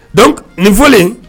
Don nin fɔlen